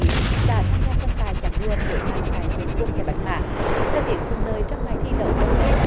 chín đã tham gia tranh tài chặng đua mở màn tại vườn quốc gia bạch mã thời tiết thuận lợi trong ngày thi đấu đầu tiên